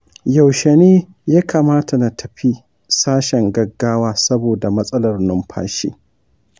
yaushe ne ya kamata na tafi sashen gaggawa saboda matsalar numfashi?